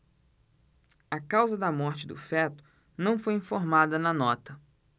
a causa da morte do feto não foi informada na nota